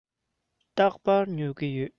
རྟག པར ཉོ གི ཡོད